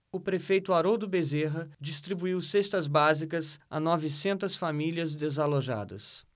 o prefeito haroldo bezerra distribuiu cestas básicas a novecentas famílias desalojadas